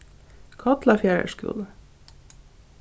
kollafjarðar skúli